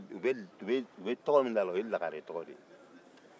u bɛ tɔgɔ min d'a la o ye lagare de ye